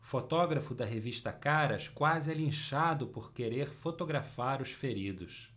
fotógrafo da revista caras quase é linchado por querer fotografar os feridos